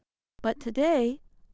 bất tu đây